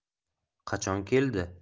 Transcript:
qachon keldi